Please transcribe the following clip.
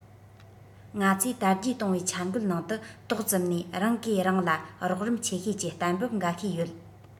ང ཚོའི དར རྒྱས གཏོང བའི འཆར འགོད ནང དུ ཏོག ཙམ ནས རང གིས རང ལ རོགས རམ ཆེ ཤོས ཀྱི གཏན འབེབས འགའ ཤས ཡོད